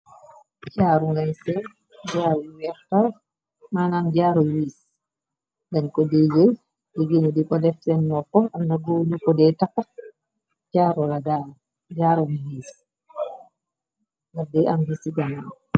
Jaaru ngaay seen jaaru bu weex taal manam jaaru wiss den ko dex jeel jigeen yi di ko def sen noppa amna goor yu ko deh taka jaaru la daal jaaru wiss.